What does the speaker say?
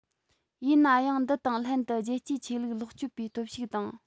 ཡིན ན ཡང འདི དང ལྷན དུ རྒྱལ སྤྱིའི ཆོས ལུགས ལོག སྤྱོད པའི སྟོབས ཤུགས དང